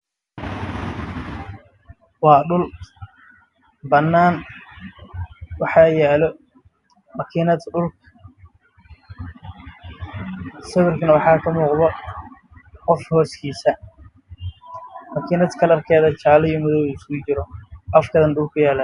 Waa dhul banan waxaa yaalo makiinad